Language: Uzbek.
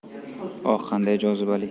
oh qanday jozibali